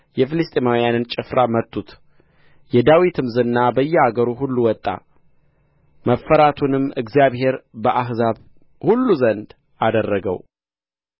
የፍልስጥኤማውያንን ጭፍራ መቱት የዳዊትም ዝና በየአገሩ ሁሉ ወጣ መፈራቱንም እግዚአብሔር በአሕዛብ ሁሉ ዘንድ አደረገው